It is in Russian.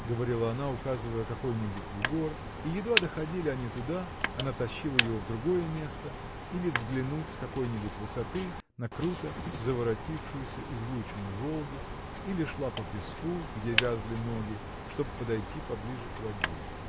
— говорила она, указывая какой-нибудь бугор, и, едва доходили они туда, она тащила его в другое место, или взглянуть с какой-нибудь высоты на круто заворотившуюся излучину Волги, или шла по песку, где вязли ноги, чтоб подойти поближе к воде.